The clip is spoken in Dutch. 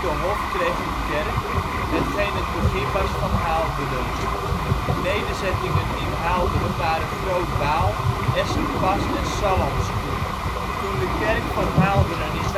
Hof kreeg een kerk, hetgeen het begin was van Haalderen. Nederzettingen in Haalderen waren Groot Baal, Essenpas en Sallandsgoed. Toen de kerk van Haalderen in